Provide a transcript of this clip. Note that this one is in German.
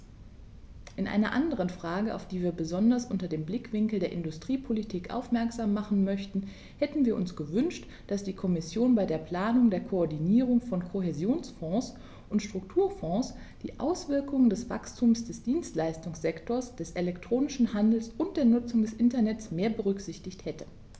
In einer anderen Frage, auf die wir besonders unter dem Blickwinkel der Industriepolitik aufmerksam machen möchten, hätten wir uns gewünscht, dass die Kommission bei der Planung der Koordinierung von Kohäsionsfonds und Strukturfonds die Auswirkungen des Wachstums des Dienstleistungssektors, des elektronischen Handels und der Nutzung des Internets mehr berücksichtigt hätte.